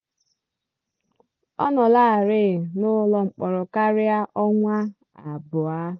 Ọ nọlarị n'ụlọ mkpọrọ karịa ọnwa abụọ.